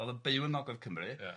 oedd 'n byw yn nogledd Cymru ia.